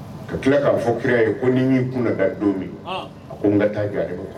Ka tila k'a fɔ kira ye ko n' n y'i kun da don min a ko n ka taa garire